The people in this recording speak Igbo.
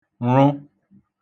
ṙụ